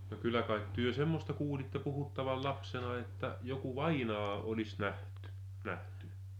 no kyllä kai te semmoista kuulitte puhuttavan lapsena että joku vainaja olisi nähty nähty